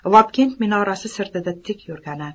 vobkent minorasi sirtida tik yurgani